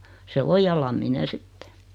se on ja Lamminen sitten